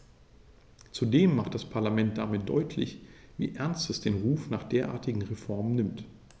Zudem macht das Parlament damit deutlich, wie ernst es den Ruf nach derartigen Reformen nimmt.